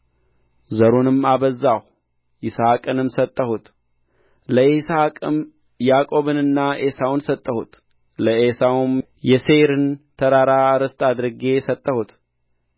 ዘሩንም አበዛሁ ይስሐቅንም ሰጠሁት ለይስሐቅም ያዕቆብንና ዔሳውን ሰጠሁት ለዔሳውም የሴይርን ተራራ ርስት አድርጌ ሰጠሁት